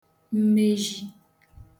mmejhi